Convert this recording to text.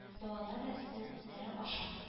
Балалар рәсеме нәре аша